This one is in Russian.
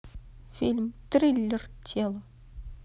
фильм триллер тело